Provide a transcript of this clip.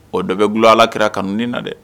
Ɔ dɔ bɛ bolo ala kɛra kanudi na dɛ